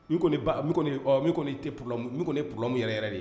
N kɔni b'a n kɔni ye ɔɔ min kɔni te problème min kɔni ye problème yɛrɛyɛrɛ de ye